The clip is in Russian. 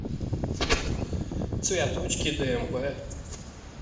цвяточки дмб